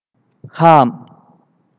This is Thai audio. ข้าม